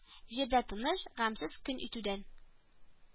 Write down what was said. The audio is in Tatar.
Җирдә тыныч, гамьсез көн итүдән